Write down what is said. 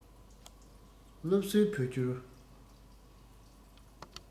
སློབ གསོའི བོད སྐྱོར